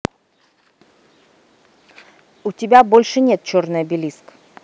у тебя больше нет черный обелиск